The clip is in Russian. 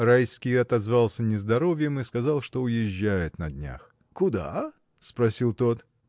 Райский отозвался нездоровьем и сказал, что уезжает на днях. — Куда? — спросил тот.